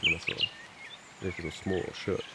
Dem er så virker så små og skjør.